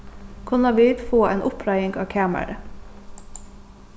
kunnu vit fáa eina uppreiðing á kamarið